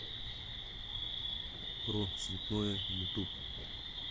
про цветное ютуб